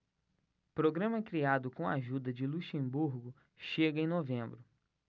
programa criado com a ajuda de luxemburgo chega em novembro